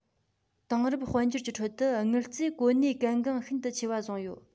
དེང རབས དཔལ འབྱོར གྱི ཁྲོད དུ དངུལ རྩས གོ གནས གལ འགངས ཤིན ཏུ ཆེ བ བཟུང ཡོད